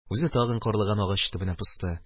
Үзе тагын карлыган агачы төбенә посты.